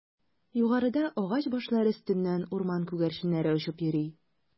Югарыда агач башлары өстеннән урман күгәрченнәре очып йөри.